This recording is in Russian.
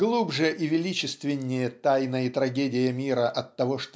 Глубже и величественнее тайна и трагедия мира от того